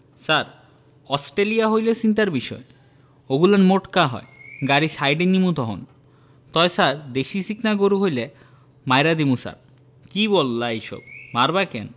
ছার Australia হইলে চিন্তার বিষয় ওগুলান মোটকা হয় গাড়ি সাইডে নিমু তহন তয় ছার দেশি চিকনা গরু হইলে মাইরা দিমু ছার কী বল্লা এইসব মারবা কেন